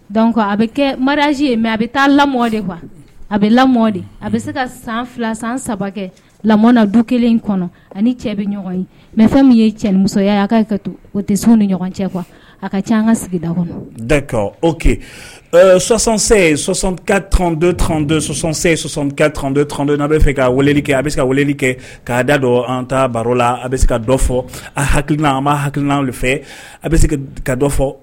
Dɔn kɔ a bɛ kɛji ye mɛ a bɛ taa lamɔ de kuwa a bɛ lamɔ de a bɛ se ka san fila san saba kɛ lamɔɔn na du kelen in kɔnɔ ani cɛ bɛ ɲɔgɔn mɛ fɛn min ye cɛmusoya a ka ka o tɛ ni ɲɔgɔn cɛ kuwa a ka ca an ka sigida kɔnɔ da oke sɔsɔnsɛ sɔsɔ ka tɔndo sɔsɔsen sɔsɔɔn ka tɔntɔn tɔntɔn n a bɛa fɛ ka wele kɛ a bɛ se ka weleli kɛ k'a da dɔ an ta baro la a bɛ se ka dɔ fɔ a hakilikiina anba hakilikilina fɛ a bɛ se ka dɔ fɔ